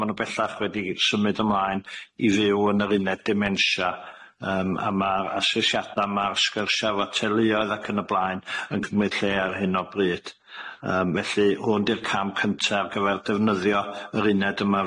ma' nw bellach wedi symud ymlaen i fyw yn yr uned dimensia yym a ma'r asesiada ma'r sgyrsia efo telioedd ac yn y blaen yn cymryd lle ar hyn o bryd yym felly hwn di'r cam cynta ar gyfer defnyddio yr uned yma